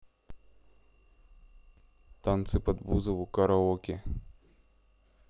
танцы под бузову караоке